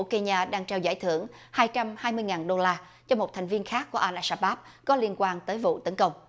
ki nha đang trao giải thưởng hai trăm hai mươi ngàn đô la cho một thành viên khác của a na sa bát có liên quan tới vụ tấn công